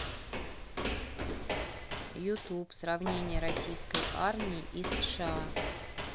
ютуб сравнение российской армии и сша